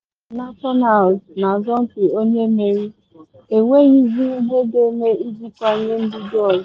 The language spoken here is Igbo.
Ka ewepuru Nationals na asọmpi onye mmeri, enweghịzị ihe ga-eme iji kwanye mbido ọzọ.